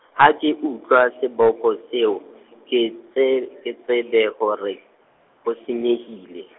ha ke utlwa seboko seo, ke tse, ke tsebe hore, ho senyehile.